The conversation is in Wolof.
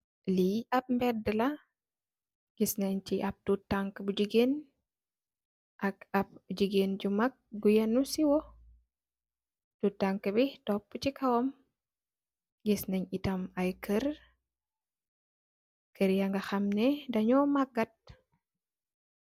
Li ap mbedeh la gisnen si ap tankuh bu gigeen ak ap gigeen bu mak yureh siyuh palas ni munge ame kuer yu maget